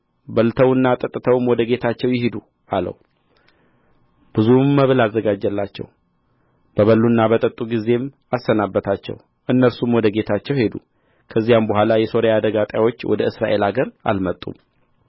በልተውና ጠጥተውም ወደ ጌታቸው ይሂዱ አለው ብዙም መብል አዘጋጀላቸው በበሉና በጠጡ ጊዜም አሰናበታቸው እነርሱም ወደ ጌታቸው ሄዱ ከዚያም በኋላ የሶርያ አደጋ ጣዮች ወደ እስራኤል አገር አልመጡም